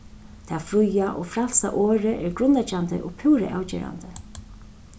tað fría og frælsa orðið er grundleggjandi og púra avgerandi